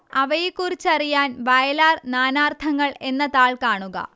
അവയെക്കുറിച്ചറിയാൻ വയലാർ നാനാർത്ഥങ്ങൾ എന്ന താൾ കാണുക